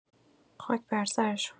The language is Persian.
خاک برسرشون.